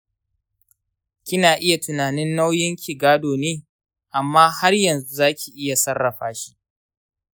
kina iya tunanin nauyinki gado ne, amma har yanzu za ki iya sarrafa shi.